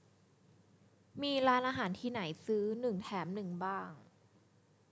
มีร้านอาหารที่ไหนซื้อหนึ่งแถมหนึ่งบ้าง